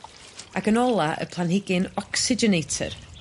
Ag yn ola y planhigyn oxygenator